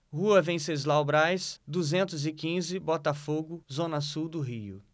rua venceslau braz duzentos e quinze botafogo zona sul do rio